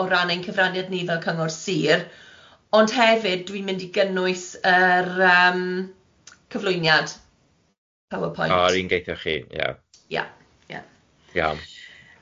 o ran ein cyfraniad ni fel cyngor sir ond hefyd dwi'n mynd i gynnwys yr yym cyflwyniad power point. oh yr un gweithoch chi ie. ie. iawn.